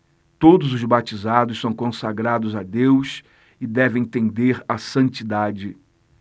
todos os batizados são consagrados a deus e devem tender à santidade